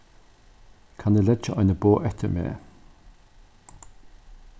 kann eg leggja eini boð eftir meg